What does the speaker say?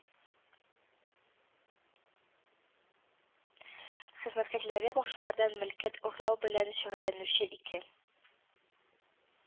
Хезмәткәрләре бакчалардан мөлкәт урлау белән шөгыльләнүче ике